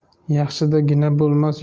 yaxshida gina bo'lmas